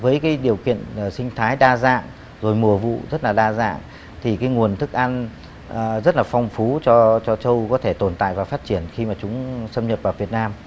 với cái điều kiện sinh thái đa dạng rồi mùa vụ rất là đa dạng thì cái nguồn thức ăn rất là phong phú cho cho trâu có thể tồn tại và phát triển khi mà chúng xâm nhập vào việt nam